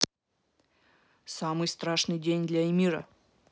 самый страшный день для эмира